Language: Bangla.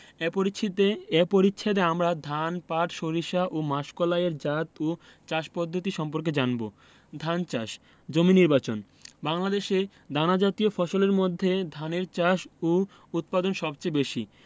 এ পরিচ্ছেদে আমরা ধান পাট সরিষা ও মাসকলাই এর জাত ও চাষ পদ্ধতি সম্পর্কে জানব ধান চাষ জমি নির্বাচনঃ বাংলাদেশে দানাজাতীয় ফসলের মধ্যে ধানের চাষ ও উৎপাদন সবচেয়ে বেশি